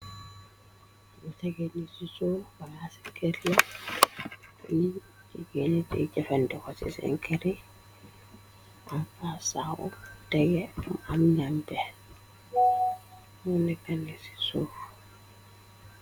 Bu tege niri sof bomaca kërla boni jogenet jefandi xo ci senkere am fasao dege mo am nam beer monekanne ci sof.